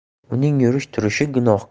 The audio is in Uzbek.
uning yurish turishi